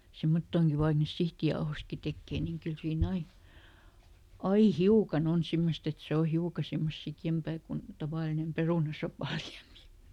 semmottoonkin vaikka niistä sihtijauhoistakin tekee niin kyllä siinä aina aina hiukan on semmoista että se on hiukan semmoista sikeämpää kuin tavallinen perunasopan liemi